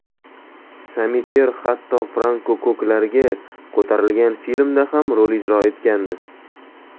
samityer hatto franko ko'klarga ko'tarilgan filmda ham rol ijro etgandi